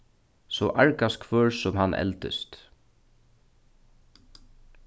so argast hvør sum hann eldist